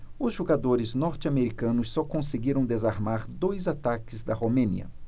os jogadores norte-americanos só conseguiram desarmar dois ataques da romênia